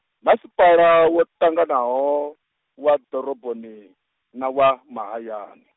masipala wo ṱanganyaho, wa ḓoroboni, na wa, mahayani.